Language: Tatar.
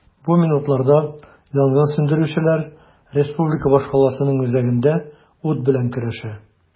Бу минутларда янгын сүндерүчеләр республика башкаласының үзәгендә ут белән көрәшә.